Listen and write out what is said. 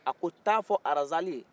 a ko taa fɔ arazali ye